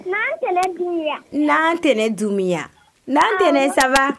N'an tɛya n'an tɛɛnɛ dunmiya n'an tɛ saba